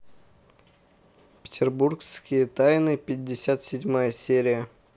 петербургские тайны пятьдесят седьмая серия